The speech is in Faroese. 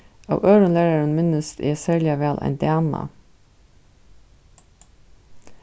av øðrum lærarum minnist eg serliga væl ein dana